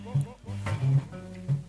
Furu